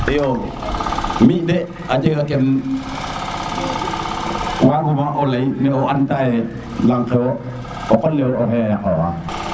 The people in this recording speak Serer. i yo mi de a jega kem waag ma o ley ne o an ta ye lang ke wo o qol lewo oxeya yaqo wa